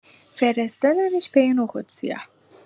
فرستادمش پی نخود سیاه.